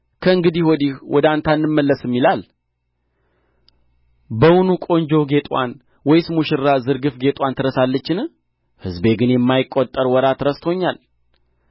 ከእንግዲህ ወዲህ ወደ አንተ አንመለስም ይላል በውኑ ቆንጆ ጌጥዋን ወይስ ሙሽራ ዝርግፍ ጌጥዋን ትረሳለችን ሕዝቤ ግን የማይቈጠር ወራት ረስቶኛል